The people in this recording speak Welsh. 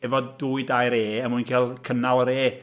efo dwy dair E..., er mwyn cael cynnal yr E.